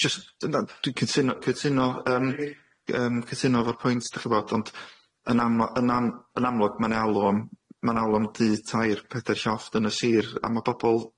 Jyst... Yndan, dwi'n cytuno- cytuno yym yym cytuno efo'r pwynt dach ch'bod ond, yn am- yn am- yn amlwg ma' 'ne alw am- ma' 'ne alw am dŷ tair pedair llofft yn y sir, a ma' bobol